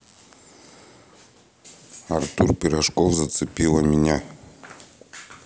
артур пирожков зацепила меня